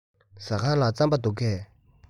ཟ ཁང ལ རྩམ པ འདུག གས